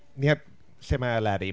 Iep! Lle ma' Eleri?